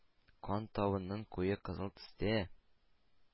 Кан табыннан куе кызыл төстә